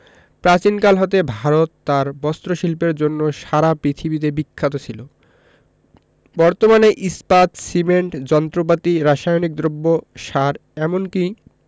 প্রাচীনকাল হতে ভারত তার বস্ত্রশিল্পের জন্য সারা পৃথিবীতে বিখ্যাত ছিল বর্তমানে ইস্পাত সিমেন্ট যন্ত্রপাতি রাসায়নিক দ্রব্য সার এমন কি